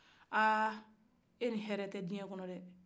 aa e ni hɛrɛ tɛ dunuya kɔnɔ dɛ